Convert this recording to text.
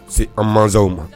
Se an mansa ma.